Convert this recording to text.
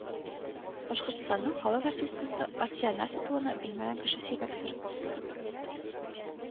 Башкортстанның халык артисткасы Асия Нәфыйкованы белмәгән кеше сирәктер